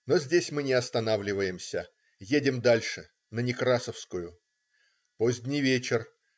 Но здесь мы не останавливаемся - едем дальше на Некрасовскую. Поздний вечер.